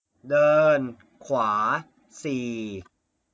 เดินขวาสี่